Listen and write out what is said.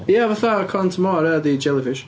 Ia, fatha cont y môr, ia, 'di jellyfish.